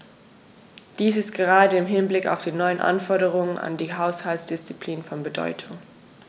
Dies ist gerade im Hinblick auf die neuen Anforderungen an die Haushaltsdisziplin von Bedeutung.